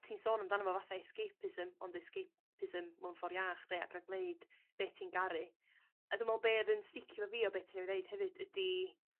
ti'n sôn amdano fo fatha escapeism ond escapeism mewn ffor iach 'de a ca'l gneud be' ti'n garu a dwi me'wl be' odd yn sticio 'fo fi o be' ti newydd ddeud hefyd ydi